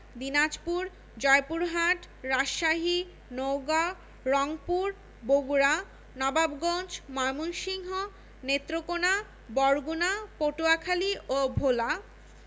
দিনাজপুর জয়পুরহাট রাজশাহী নওগাঁ রংপুর বগুড়া নবাবগঞ্জ ময়মনসিংহ নেত্রকোনা বরগুনা পটুয়াখালী ও ভোলা